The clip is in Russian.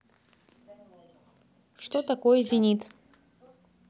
что такое зенит